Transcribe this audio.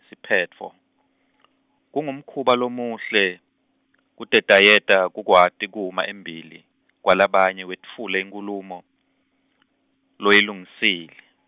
siphetfo , Kungumkhuba lomuhle, kutetayeta, kukwati kuma embili, kwalabanye wetfule inkhulumo, loyilungisile.